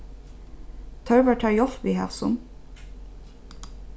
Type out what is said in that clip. tørvar tær hjálp við hasum